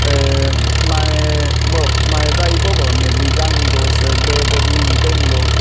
Yy m- mae wel mae ddau bobol yn meddri ddangos yy be' bod nw'n teimlo